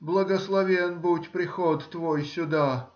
Благословен будь приход твой сюда